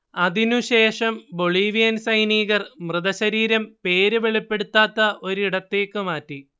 അതിനുശേഷം ബൊളീവിയൻ സൈനീകർ മൃതശരീരം പേര് വെളിപ്പെടുത്താത്ത ഒരിടത്തേക്ക് മാറ്റി